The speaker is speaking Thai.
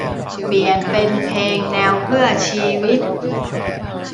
เปลี่ยนเป็นเพลงแนวเพื่อชีวิต